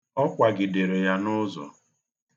Ọ kwagidere ya n'ụzọ.